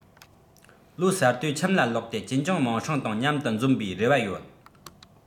ལོ གསར དུས ཁྱིམ ལ ལོགས ཏེ གཅེན གཅུང མིང སྲིང དང མཉམ དུ འཛོམས པའི རེ བ ཡོད